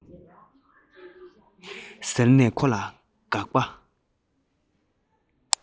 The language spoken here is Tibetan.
ཟེར ནས ཁོ ལ དགག པ